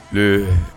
Un